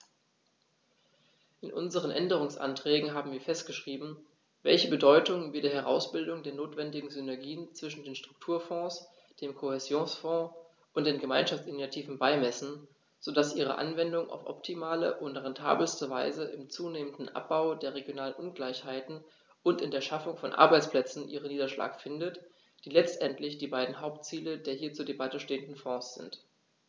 In unseren Änderungsanträgen haben wir festgeschrieben, welche Bedeutung wir der Herausbildung der notwendigen Synergien zwischen den Strukturfonds, dem Kohäsionsfonds und den Gemeinschaftsinitiativen beimessen, so dass ihre Anwendung auf optimale und rentabelste Weise im zunehmenden Abbau der regionalen Ungleichheiten und in der Schaffung von Arbeitsplätzen ihren Niederschlag findet, die letztendlich die beiden Hauptziele der hier zur Debatte stehenden Fonds sind.